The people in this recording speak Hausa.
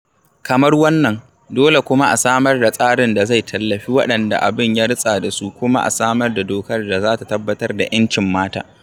Kamar wannan, dole kuma a samar da tsarin da zai tallafi waɗanda abin ya ritsa da su kuma a samar da dokar da za ta tabbatar da 'yancin mata.